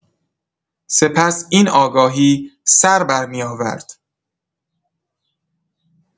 سپس این آگاهی سر برمی‌آورد.